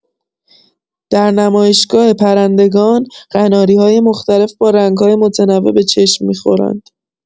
در نمایشگاه پرندگان، قناری‌های مختلف با رنگ‌های متنوع به چشم می‌خورند.